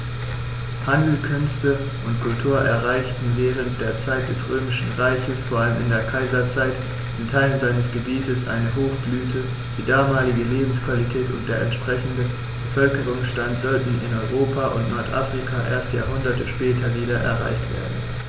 Handel, Künste und Kultur erreichten während der Zeit des Römischen Reiches, vor allem in der Kaiserzeit, in Teilen seines Gebietes eine Hochblüte, die damalige Lebensqualität und der entsprechende Bevölkerungsstand sollten in Europa und Nordafrika erst Jahrhunderte später wieder erreicht werden.